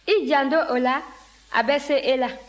i janto o la a bɛ se e la